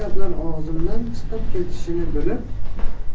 gaplar og'zimdan chiqib ketishini bilib